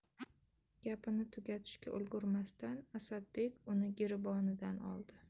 gapini tugatishga ulgurmasdan asadbek uni giribonidan oldi